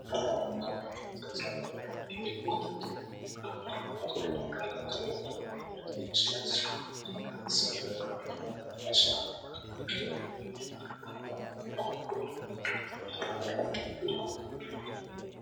Waa labo nin waxa ay islawadaan salad